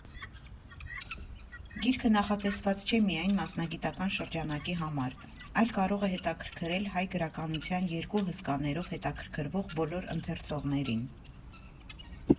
Գիրքը նախատեսված չէ միայն մասնագիտական շրջանակի համար, այլ կարող է հետաքրքրել հայ գրականության երկու հսկաներով հետաքրքրվող բոլոր ընթերցողներին։